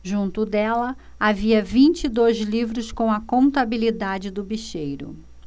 junto dela havia vinte e dois livros com a contabilidade do bicheiro